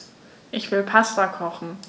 Ich will Pasta kochen.